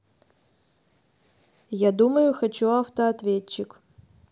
я думаю хочу автоответчик